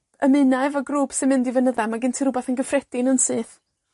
ymuna efo grŵp sy'n mynd i fynydda. Ma' gen ti rwbath yn gyffredin yn syth.